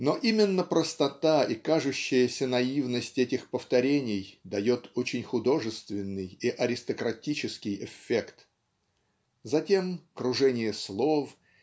но именно простота и кажущаяся наивность этих повторений дает очень художественный и аристократический эффект. Затем кружение слов